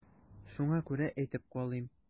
Шуңа күрә әйтеп калыйм.